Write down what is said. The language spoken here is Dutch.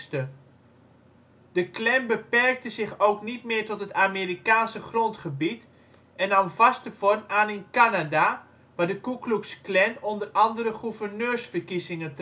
De Klan beperkte zich ook niet meer tot het Amerikaanse grondgebied en nam vaste vorm aan in Canada waar de Ku Klux Klan onder andere gouverneursverkiezingen